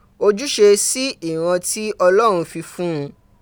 Ojuse si iran ti Olorun fifun un.